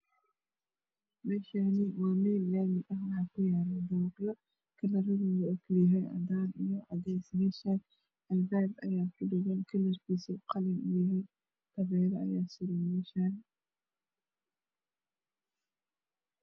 Meshani waa mel lami ah waxa kuyalo dabaqyo kalardoda oo kalayahay cadan io cades meshan albab aya kudhegan kalarkis qalin oow yahay tabelo aya meshan suran